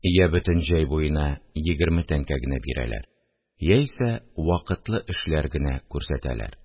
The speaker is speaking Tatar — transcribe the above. Йә бөтен җәй буена егерме тәңкә генә бирәләр, яисә вакытлы эшләр генә күрсәтәләр